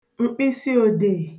m̀kpịsịodeè